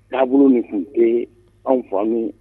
Taabolo min kun te anw fa nu